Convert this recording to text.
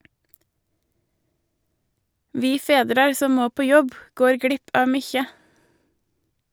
Vi fedrar som må på jobb går glipp av mykje.